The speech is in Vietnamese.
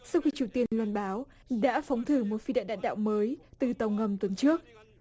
sau khi triều tiên loan báo đã phóng thử một phi đạn đạn đạo mới từ tàu ngầm tuần trước